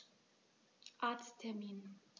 Arzttermin